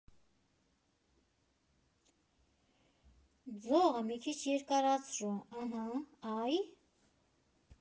֊ Ձողը մի քիչ երկարացրու, ըհը, այ…